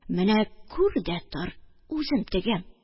Менә күр дә тор, үзем тегәм